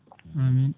amine